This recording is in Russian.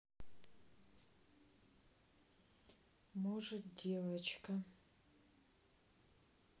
может девочка